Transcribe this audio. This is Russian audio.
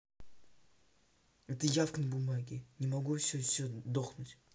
это явка на бумаге не могу все все дохнуть